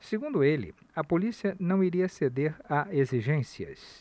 segundo ele a polícia não iria ceder a exigências